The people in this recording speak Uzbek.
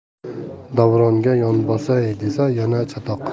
davronga yonbosay desa yana chatoq